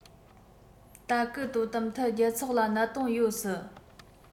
ལྟ སྐུལ དོ དམ ཐད རྒྱལ ཚོགས ལ གནད དོན ཡོད སྲིད